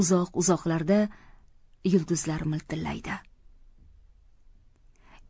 uzoq uzoqlarda yulduzlar miltillaydi